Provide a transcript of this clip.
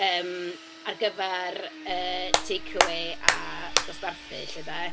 Yym ar gyfer yy takeaway a dosbarthu 'lly de.